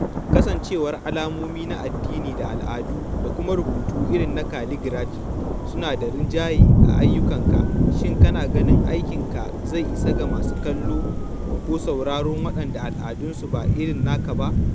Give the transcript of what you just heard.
Kasancewar alamomi na addini da al’adu da kuma rubutu irin na kaligrafi suna da rinjaye a ayyukanka, shin kana ganin aikinka zai isa ga masu kallo ko sauraro waɗanda al'adun su ba irin naka ba?